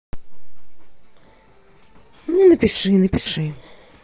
ну напиши напиши